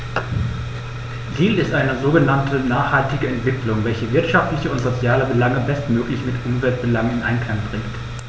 Ziel ist eine sogenannte nachhaltige Entwicklung, welche wirtschaftliche und soziale Belange bestmöglich mit Umweltbelangen in Einklang bringt.